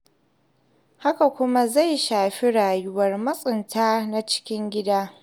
Hakan kuma zai shafi rayuwar masunta na cikin gida.